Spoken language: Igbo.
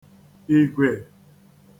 ìgwè